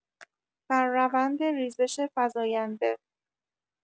بر روند ریزش فزاینده